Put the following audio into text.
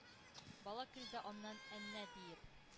Бала көлде, аннан: «Әннә!» — диеп,